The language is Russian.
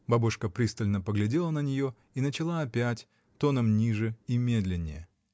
Бабушка пристально поглядела на нее и начала опять, тоном ниже и медленнее.